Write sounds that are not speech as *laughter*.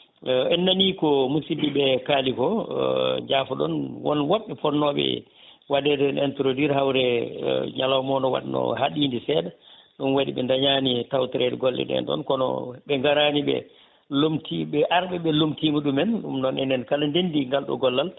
*hesitation* en nani ko musiɓeɓe kaali ko *hesitation* jafoɗon won woɓɓe ponnoɓe waɗede hen introduire hawre ñalawma o ne wanno haaɗi seeɗa ɗum waɗi ɓe dañani tawtorede golleɗen ɗon kono ɓe garani ɓe lomtiɓe arɓeɓe lomtima ɗumen vum noon en kala dendi ngal ɗo gollal